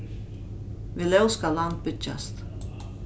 við lóg skal land byggjast